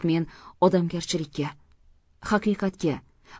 men odamgarchilikka haqiqatga